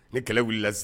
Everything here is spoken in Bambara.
Ni kɛlɛ wilila s